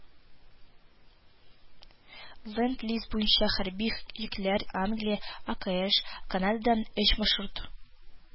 Ленд-лиз буенча хәрби йөкләр Англия, АКШ, Канададан өч маршрут